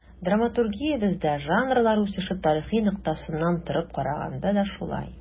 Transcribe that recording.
Драматургиябездә жанрлар үсеше тарихы ноктасынан торып караганда да шулай.